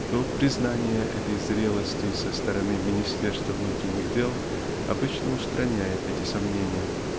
то признание этой зрелости со стороны министерства внутренних дел обычно устраняет и эти сомнения.